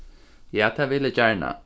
ja tað vil eg gjarna